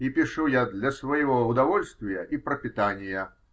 и пишу я для своего удовольствия и пропитания.